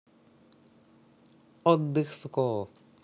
отдых суко